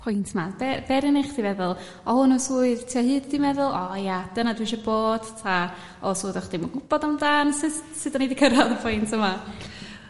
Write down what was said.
pwynt 'ma be... be arnu neud chdi feddwl o hwn yn swydd ti o hyd 'di meddwl o ia dyna dwi isio bod ta os oddach chdi'm yn gwbod amdan sut... sud 'dan ni 'di cyrradd pwynt yma?